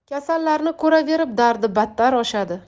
kasallarni ko'raverib dardi battar oshadi